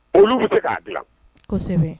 Olu bɛ k'a dila kosɛbɛ